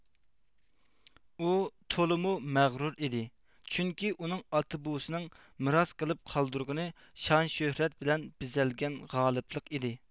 ئۇ تولىمۇ مەغرۇر ئىدى چۈنكى ئۇنىڭ ئاتا بوۋىسىنىڭ مىراس قىلىپ قالدۇرغىنى شان شۆھرەت بىلەن بېزەلگەن غالىپلىق ئىدى